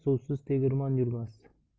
suvsiz tegirmon yurmas